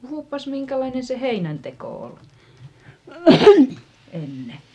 puhupas minkälainen se heinänteko oli ennen